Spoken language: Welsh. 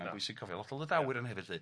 ma'n bwysig cofio lot o Lydawyr yna hefyd 'lly.